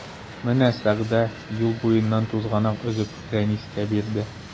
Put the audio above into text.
Менә Сәгъдә юл буеннан тузганак өзеп Рәнискә бирде.